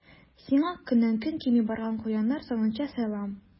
Сиңа көннән-көн кими барган куяннар санынча сәлам.